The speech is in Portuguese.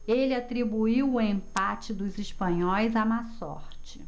ele atribuiu o empate dos espanhóis à má sorte